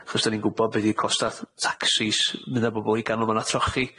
Achos 'dyn ni'n gwbod be' 'di costa' tacsis mynd â bobol i ganolfanna trochi,